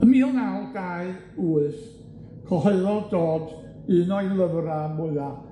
Ym mil naw dau wyth, cyhoeddodd Dodd un o'i lyfra' mwya